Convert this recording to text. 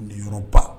Ni yɔrɔ ba